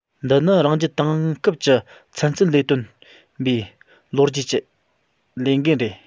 འདི ནི རང རྒྱལ དེང སྐབས ཀྱི ཚན རྩལ ལས དོན པའི ལོ རྒྱུས ཀྱི ལས འགན རེད